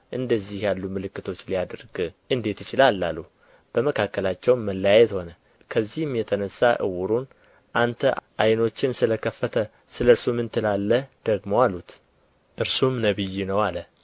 እንደነዚህ ያሉ ምልክቶች ሊያደርግ እንዴት ይችላል አሉ በመካከላቸውም መለያየት ሆነ ከዚህም የተነሣ ዕውሩን አንተ ዓይኖችህን ስለ ከፈተ ስለ እርሱ ምን ትላለህ ደግሞ አሉት እርሱም ነቢይ ነው አለ